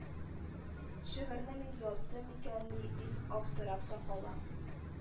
Шигырьне мин яздым микәнни, дип аптырап та калам